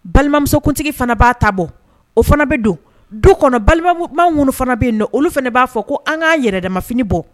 Balimamusokuntigi fana b'a ta bɔ o fana bɛ don du kɔnɔ balima minnu fana bɛ yen don olu fana b'a fɔ ko an k'an yɛrɛ damaf bɔ